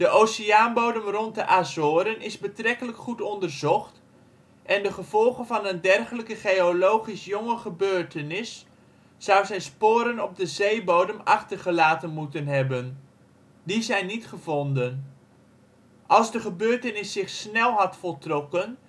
oceaanbodem rond de Azoren is betrekkelijk goed onderzocht en de gevolgen van een dergelijke geologisch jonge gebeurtenis zou zijn sporen op de zeebodem achtergelaten moeten hebben. Die zijn niet gevonden. Als de gebeurtenis zich snel had voltrokken